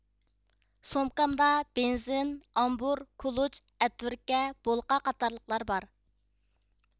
سومكامدا بېنزىن ئامبۇر كۇلۇچ ئەتۋىركە بولقا قاتارلىقلار بار